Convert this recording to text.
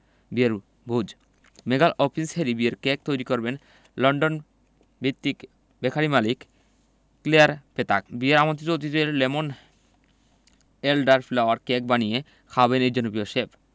বিয়ের ভোজ মেগান ও প্রিন্স হ্যারির বিয়ের কেক তৈরি করবেন লন্ডনভিত্তিক বেকারি মালিক ক্লেয়ার পেতাক বিয়ের আমন্ত্রিত অতিথিদের লেমন এলডার ফ্লাওয়ার কেক বানিয়ে খাওয়াবেন এই জনপ্রিয় শেফ